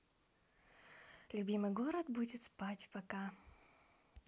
любимый город будет спать пока